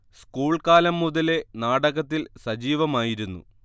school കാലം മുതലേ നാടകത്തിൽ സജീവമായിരുന്നു